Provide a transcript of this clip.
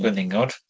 Cwningod.